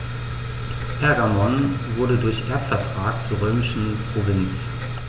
Pergamon wurde durch Erbvertrag zur römischen Provinz.